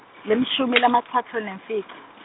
lelishumi lamatsatfu nemfica.